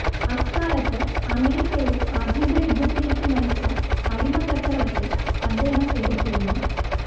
അക്കാലത്ത് അമേരിക്കയെ ആഭ്യന്തരയുദ്ധത്തിലേയ്ക്കു നയിച്ച അടിമക്കച്ചവടത്തെ അദ്ദേഹം എതിർത്തിരുന്നു